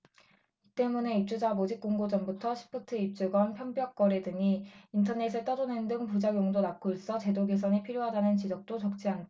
이 때문에 입주자 모집공고 전부터 시프트 입주권 편법 거래 등이 인터넷에 떠도는 등 부작용도 낳고 있어 제도 개선이 필요하다는 지적도 적지 않다